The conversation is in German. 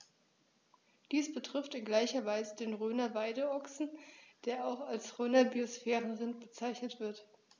Dies betrifft in gleicher Weise den Rhöner Weideochsen, der auch als Rhöner Biosphärenrind bezeichnet wird.